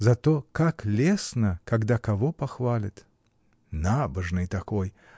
Зато как лестно, когда кого похвалит! Набожный такой!